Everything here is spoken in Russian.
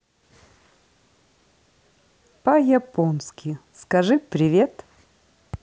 по японски скажи привет